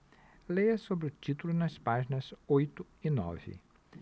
leia sobre o título nas páginas oito e nove